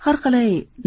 har qalay